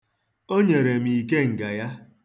O nyere m ikenga ya.